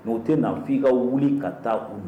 N' u tɛ nafin' i ka wuli ka taa u